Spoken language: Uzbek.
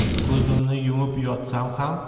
ko'zimni yumib yotsam